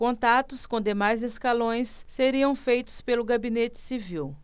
contatos com demais escalões seriam feitos pelo gabinete civil